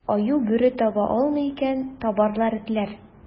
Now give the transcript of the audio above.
Аю, бүре таба алмый икән, табарлар этләр.